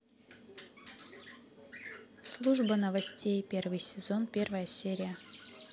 служба новостей первый сезон первая серия